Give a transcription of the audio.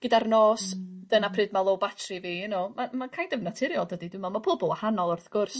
Gyda'r nos... Hmm hmm. ...dyna pryd ma' low battery fi you know ma' mae'n kind of naturiol dydi dwi me'wl ma' powb yn wahanol wrth gwrs...